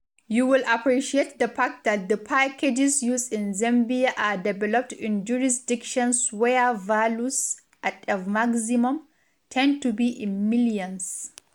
You will appreciate the fact that the packages used in Zambia are developed in jurisdictions where values, at a maximum, tend to be in millions.